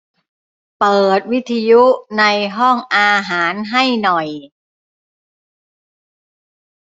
เปิดวิทยุในห้องอาหารให้หน่อย